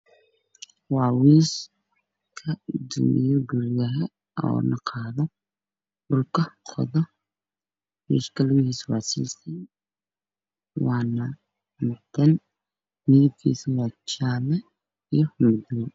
Waa wiisha dumiyoguryah qaadan midabkiisuna waa jaalo